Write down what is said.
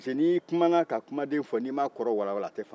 cɛ n'i kumana ka kumaden fɔ n'i m'a kɔrɔ walanwalan a tɛ faamu